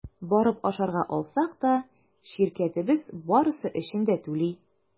Барып ашарга алсак та – ширкәтебез барысы өчен дә түли.